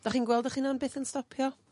Dach chi'n gweld 'ych hunan byth yn stopio?